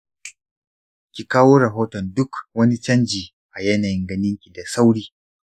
ki kawo rahotan duk wani canji a yanayin ganinki da sauri.